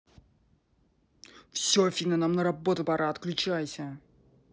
все афина нам на работу пора отключайся